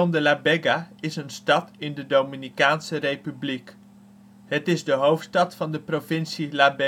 de La Vega is een stad in de Dominicaanse Republiek, de hoofdstad van de provincie La